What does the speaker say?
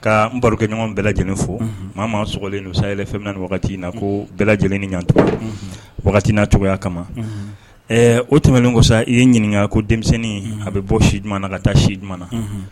ka n barokɛɲɔgɔn bɛɛ lajɛlen fɔ maa ma sogolen don yɛrɛ fɛn wagati in na ko bɛɛ lajɛlen ni ɲɔgɔncogo wagati n'a cogoya kama o tɛmɛnen kɔ sa i ye ɲininkaka ko denmisɛnnin a bɛ bɔ si jumɛn na ka taa si jumɛn na